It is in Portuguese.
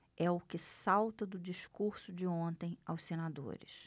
é o que salta do discurso de ontem aos senadores